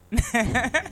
Un